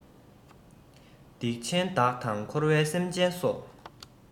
སྡིག ཆེན བདག དང འཁོར བའི སེམས ཅན སོགས